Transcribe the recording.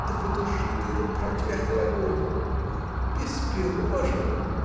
Да потуши ты этот проклятый огонь! Без пирожного!